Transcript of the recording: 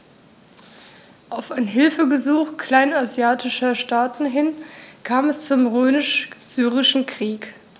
Auf ein Hilfegesuch kleinasiatischer Staaten hin kam es zum Römisch-Syrischen Krieg.